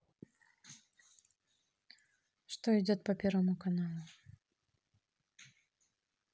что идет по первому каналу